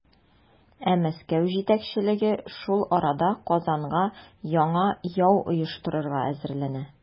Ә Мәскәү җитәкчелеге шул арада Казанга яңа яу оештырырга әзерләнә.